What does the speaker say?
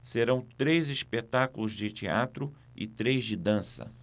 serão três espetáculos de teatro e três de dança